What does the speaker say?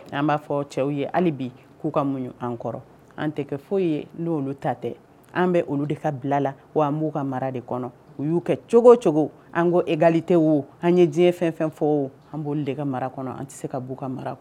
An b'a fɔ cɛw ye hali bi k'u ka muɲ an kɔrɔ an tɛ kɛ foyi ye n' olu ta tɛ an bɛ olu de ka bila la wa b'u ka mara de kɔnɔ u y'u kɛ cogo cogo an ko egali tɛ wo an ye diɲɛ fɛn fɛn fɔ an b' de ka mara kɔnɔ an tɛ se ka' uu ka mara kɔnɔ